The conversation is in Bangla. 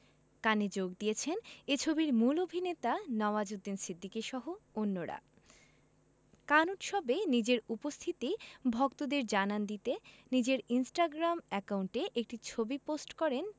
কানে যোগ দিয়েছেন এ ছবির মূল অভিনেতা নওয়াজুদ্দিন সিদ্দিকীসহ অন্যরা কান উৎসবে নিজের উপস্থিতি ভক্তদের জানান দিতে নিজের ইনস্টাগ্রাম অ্যাকাউন্টে একটি ছবি পোস্ট করেন